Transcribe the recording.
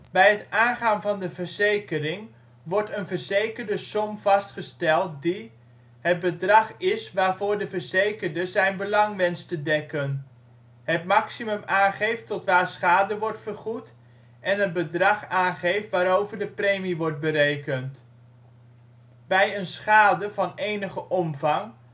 Bij het aangaan van de verzekering wordt een verzekerde som vastgesteld, die: het bedrag is waarvoor de verzekerde zijn belang wenst te dekken; het maximum aangeeft tot waar schade wordt vergoed; het bedrag aangeeft waarover de premie wordt berekend. Bij een schade van enige omvang